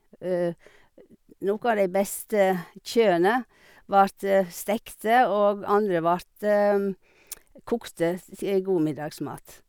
Noen av de beste kjøene vart stekte, og andre vart kokte, t til god middagsmat.